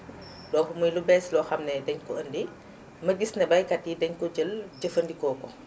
donc muy lu bees loo xam ni dañu ko indi ma gis ne baykat yi dañu ko jël jafandikoo ko